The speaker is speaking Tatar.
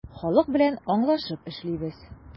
Халык белән аңлашып эшлибез.